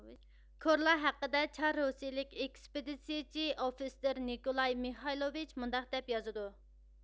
كورلا ھەققىدە چار رۇسىيىلىك ئېكسپېدىتسىيىچى ئوفىتسېر نىكولاي مېخايلوۋېچ مۇنداق دەپ يازىدۇ